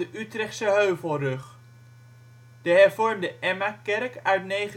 Utrechtse Heuvelrug. De Hervormde Emmakerk uit 1930